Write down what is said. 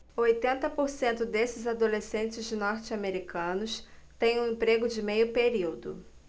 oitenta por cento desses adolescentes norte-americanos têm um emprego de meio período